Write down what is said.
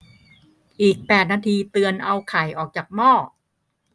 อีกแปดนาทีเตือนเอาไข่ออกจากหม้อ